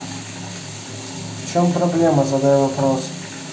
в чем проблема задай вопрос